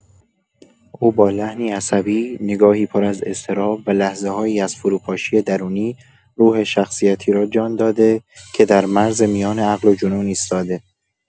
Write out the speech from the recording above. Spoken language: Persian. او با لحنی عصبی، نگاهی پر از اضطراب، و لحظه‌هایی از فروپاشی درونی، روح شخصیتی را جان داده که در مرز میان عقل و جنون ایستاده.